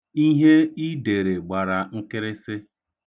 Ihe i dere gbara nkịrịsị.